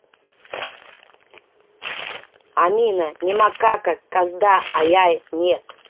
амина не макака козда а я нет